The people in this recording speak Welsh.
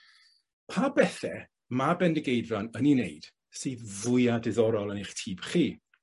Pa bethe ma' Bendigeidfran yn 'i wneud sy fwya diddorol yn eich tyb chi?